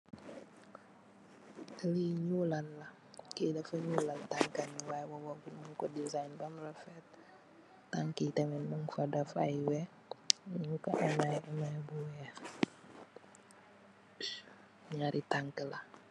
Lee njolal la kee dafa njolal tankam yee y wowagun mugku design bam refet tanka ye tamin mugfa def aye weh nugku emaye emaye bu weehe nyari tanke la.